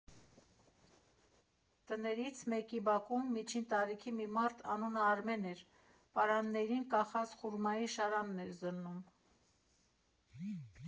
Տներից մեկի բակում միջին տարիքի մի մարդ (անունը Արմեն էր) պարաններին կախած խուրմայի շարաններն էր զննում։